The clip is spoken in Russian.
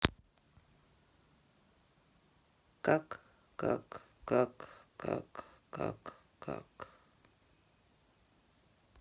как как как как как как